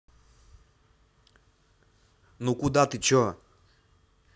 ну куда ты чо